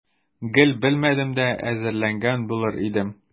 Гел белмәдем дә, әзерләнгән булыр идем.